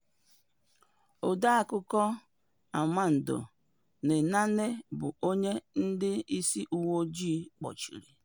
Odeakụkọ Armando Nenane bụ onye ndị ịsị uwe ojii kpọchiri.